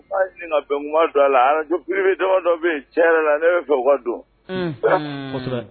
N b'a ɲini ka bɛnkuma don a la arajo privé tɔgɔ dɔ bɛ yen tiɲɛ yɛrɛ la ne bɛ fɛ o ka don, unhun